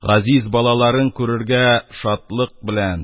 Газиз балаларын күрергә шатлык белән